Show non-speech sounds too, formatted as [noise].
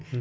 [hesitation] [hesitation]